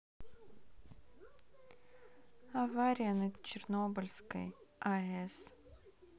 авария на чернобыльской аэс